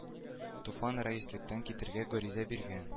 Туфан рәислектән китәргә гариза биргән